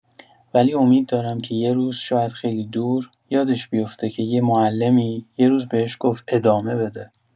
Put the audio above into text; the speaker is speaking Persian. ولی امید دارم که یه روز، شاید خیلی دور، یادش بیفته که یه معلمی یه روز بهش گفت ادامه بده.